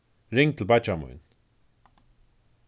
ring til beiggja mín